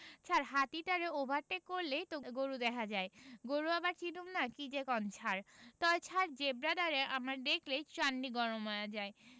ছার হাতিডারে ওভারটেক করলেই তো গরু দেহা যায় গরু আবার চিনুম না কি যে কন ছার তয় ছার জেব্রাডারে আমার দেখলেই চান্দি গরম হয়া যায়